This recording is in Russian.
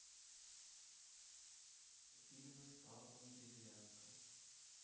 фильмы с павлом деревянко